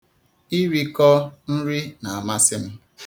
Irikọ nri na-amasị m.